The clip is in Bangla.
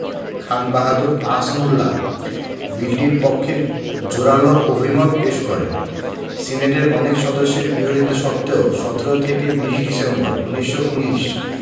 খান বাহাদুর আহসানউল্লাহ বিলটির পক্ষে জোরালো অভিমত পেশ করেন সিনেটের অনেক সদস্যের বিরোধিতা সত্ত্বেও ১৭ থেকে ২০ ডিসেম্বর ১৯১৯